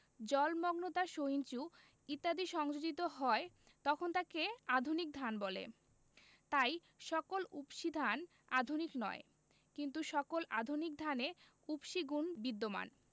জলমগ্নতা সহিষ্ণু ইত্যাদি সংযোজিত হয় তখন তাকে আধুনিক ধান বলে তাই সকল উফশী ধান আধুনিক নয় কিন্তু সকল আধুনিক ধানে উফশী গুণ বিদ্যমান